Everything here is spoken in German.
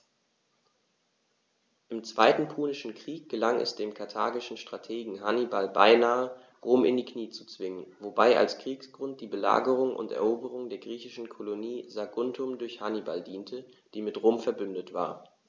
Im Zweiten Punischen Krieg gelang es dem karthagischen Strategen Hannibal beinahe, Rom in die Knie zu zwingen, wobei als Kriegsgrund die Belagerung und Eroberung der griechischen Kolonie Saguntum durch Hannibal diente, die mit Rom „verbündet“ war.